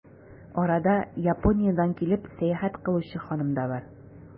Арада, Япониядән килеп, сәяхәт кылучы ханым да бар.